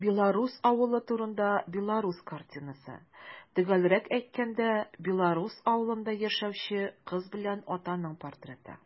Белорус авылы турында белорус картинасы - төгәлрәк әйткәндә, белорус авылында яшәүче кыз белән атаның портреты.